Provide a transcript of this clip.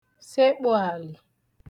sekpù alị̀